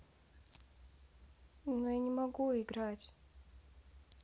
но я не могу играть